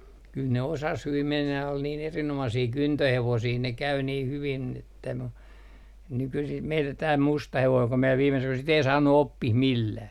kyllä ne kyllä ne osasi hyvin mennä ja oli niin erinomaisia kyntöhevosia ne kävi niin hyvin että mutta nykyisin meillä tämä musta hevonen kun minä viime - sitä ei saanut oppimaan millään